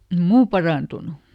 ei muu parantunut